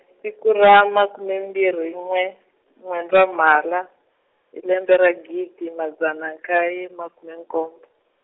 siku ra makume mbirhi n'we, N'wendzamhala, hi lembe ra gidi madzana nkaye makume nkombo.